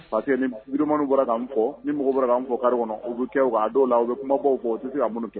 Parce que ni videoman bɔra ka min fɔ , ni mɔgɔ bɔra k'a min fɔ carré kɔnɔ u bɛ kɛ dɔw la u bɛ kumabaww fɔ u tɛ se ka mun kɛ.